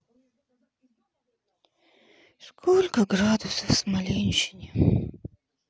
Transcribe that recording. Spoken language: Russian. сколько градусов в смоленщине